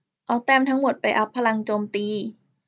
เอาแต้มทั้งหมดไปอัพพลังโจมตี